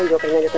wo anoye